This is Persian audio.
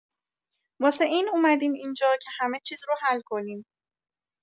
واسه این اومدیم اینجا که همه چیز رو حل کنیم.